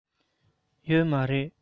ཡོད མ རེད